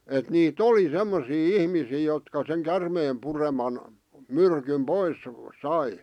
että niitä oli semmoisia ihmisiä jotka sen käärmeen pureman myrkyn pois sai